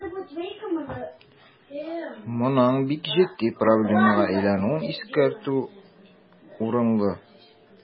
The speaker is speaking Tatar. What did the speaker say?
Моның бик җитди проблемага әйләнүен искәртү урынлы.